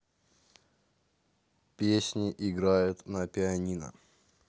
песни играют на пианино